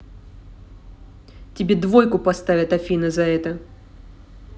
тебе двойку поставят афина за это